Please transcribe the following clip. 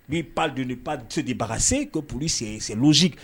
N pan don debaga se ko po sen sen si